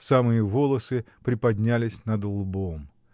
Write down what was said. самые волосы приподнялись над лбом.